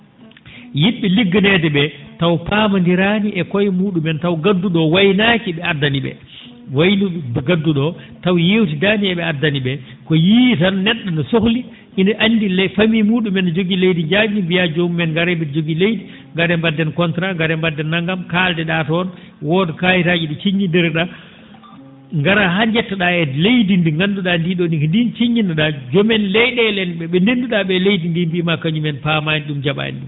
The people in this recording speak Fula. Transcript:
yi? ?e ligganeede ?ee taw pamonndiraani e ko koye mu?umen taw ngaddu?o oo waynaaki ?e addani ?ee wayino gaddu?o oo taw yeewtidaani e ?e addani ?e ko yii tan ne??o ne sohli ina anndi famille mu?umen no jogii leydi jaajndi mbiyaa jomumen ngaree mbi?a jogii leydi gaare mba?den contrat ngaree mba?den nagam kaalde?aa toon wooda kayitaaji ?i siññinndire?aa ngaraa haa njetto?aa e leydi ndii ndi nganndu?aa ndii ?oo ko ndiin siññinno?aa joomumen ley?eele en ?e denndu?aa ?ee leydi ndii mbiyamaa kañumen paamani ?um nja?aani ?um